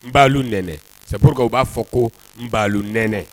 N np'lu nɛnɛ sabu u b'a fɔ ko np nɛnɛ